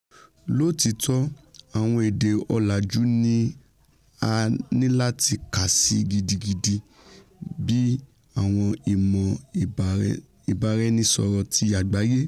Lóòtítọ́, àwọn èdè ọ̀làjú ni a nílatí kàsí gidigidi bíi ''àwọn ìmọ̀ ìbáraẹnisọ̀rọ̀ ti àgbáyé''.